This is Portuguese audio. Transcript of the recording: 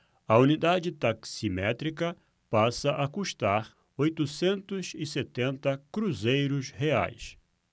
a unidade taximétrica passa a custar oitocentos e setenta cruzeiros reais